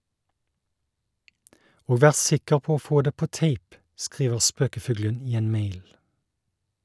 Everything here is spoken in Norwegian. Og vær sikker på å få det på tape, skriver spøkefuglen i en mail.